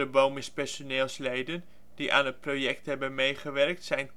Bomis-personeelsleden die aan het project hebben meegewerkt zijn